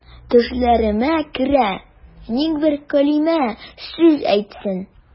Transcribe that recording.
Төшләремә керә, ник бер кәлимә сүз әйтсен.